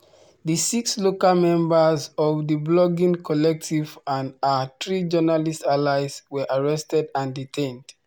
The six local members of the blogging collective and our three journalist allies were arrested and detained.